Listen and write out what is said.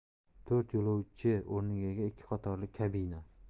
to'rt yo'lovchi o'rniga ega ikki qatorli kabina